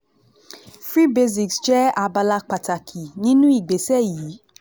Free Basics jẹ́ abala pàtàkì nínú ìgbésẹ̀ yìí.